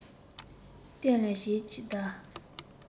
སྟོན ལས བྱེད ཀྱིན གདའ